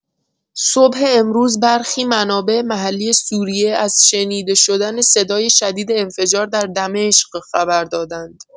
صبح امروز برخی منابع محلی سوریه از شنیده شدن صدای شدید انفجار در دمشق خبر دادند.